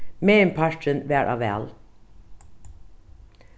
meginparturin var á val